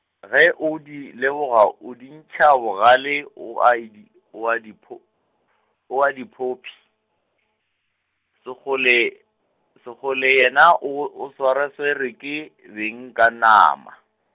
ge o di leboga o di ntšha bogale o a di, oa di pho- , o a di phophi, Sekgole, Sekgole yena o, o swarwaswerwe ke, beng ka nama.